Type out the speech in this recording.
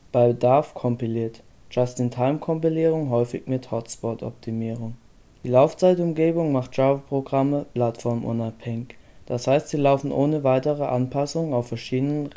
bei Bedarf kompiliert (Just-in-time-Kompilierung, häufig mit Hotspot-Optimierung). Die Laufzeitumgebung macht Java-Programme plattformunabhängig, das heißt sie laufen ohne weitere Anpassungen auf verschiedenen